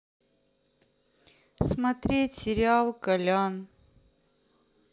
смотреть сериал колян